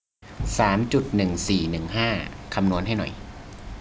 สามจุดหนึ่งสี่หนึ่งห้าคำนวณให้หน่อย